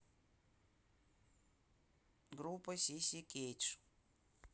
группа сиси кейдж